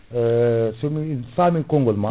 somi faami konngol ma